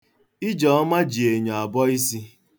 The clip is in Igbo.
Ijeọma ji enyo abọ isi